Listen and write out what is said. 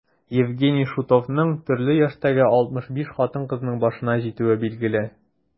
Евгений Шутовның төрле яшьтәге 65 хатын-кызның башына җитүе билгеле.